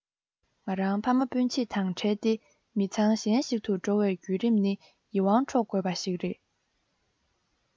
ང རང ཕ མ སྤུན ཆེད དང བྲལ ཏེ མི ཚང གཞན ཞིག ཏུ འགྲོ བའི བརྒྱུད རིམ ནི ཡིད དབང འཕྲོག དགོས པ ཞིག རེད